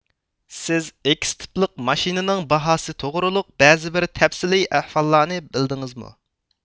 سىز ئېكس تىپلىق ماشىنىنىڭ باھاسى توغرۇلۇق بەزى بىر تەپسىلىي ئەھۋاللارنى بىلدىڭىزمۇ